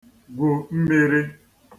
gwù mmirī